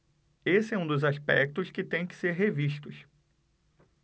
esse é um dos aspectos que têm que ser revistos